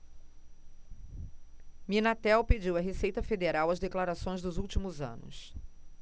minatel pediu à receita federal as declarações dos últimos anos